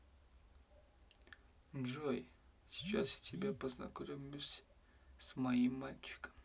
джой сейчас я тебя познакомлюсь с моим мальчиком